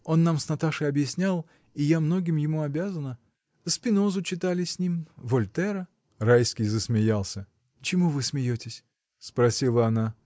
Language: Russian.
Он нам с Наташей объяснял, и я многим ему обязана. Спинозу читали с ним. Вольтера. Райский засмеялся. — Чему вы смеетесь? — спросила она.